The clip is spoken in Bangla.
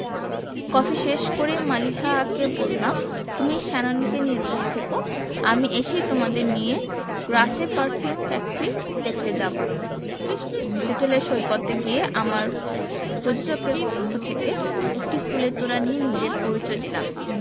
কফি শেষ করেই মালিহাকে বললাম তুমি শ্যাননকে নিয়ে রুডি থেকো আমি এসেই তোমাদের নিয়ে গ্রাসে পারফিউম ফ্যাক্টরি দেখতে যাবো হোটেলের সৈকতে গিয়ে আমার প্রযোজকের পক্ষ থেকে একটি ফুলের তোড়া নিয়ে নিজের পরিচয় দিলাম